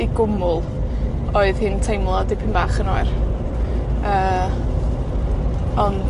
i gwmwl, oedd hi'n teimlo dipyn bach yn oer. Yy, ond